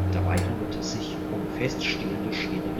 Dabei handelt es sich um fest stehende schwere